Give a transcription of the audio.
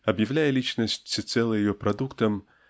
Объявляя личность всецело ее продуктом